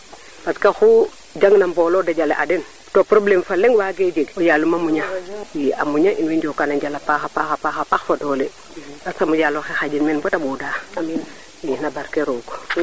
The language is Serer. parce que oxu jang na mboolo daja le a den to probleme fa leng waage jeg yaluma muña i a muña imboy njoko njala paaxa paaxa paax fo doole yasam o yyalo xe xaƴin meen bata ɓooda no barke roog